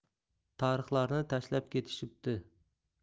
tarhlarni tashlab ketishibdi